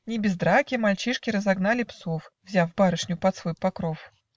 Не без драки Мальчишки разогнали псов, Взяв барышню под свой покров.